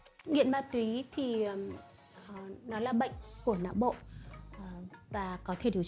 nghiện ma túy thì nó là bệnh của não bộ và có thể điều trị được